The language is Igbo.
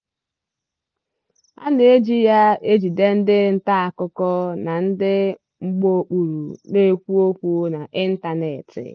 A na-eji ya ejide ndị nta akụkọ na ndị mgbaokpuru na-ekwu okwu n'ịntanetị.